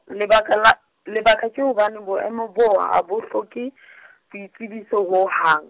lebaka la, lebaka ke hobane boemo bo ha bo hloke , boitsebiso ho hang.